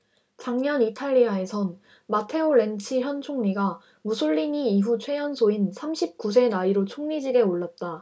작년 이탈리아에선 마테오 렌치 현 총리가 무솔리니 이후 최연소인 삼십 구 세 나이로 총리직에 올랐다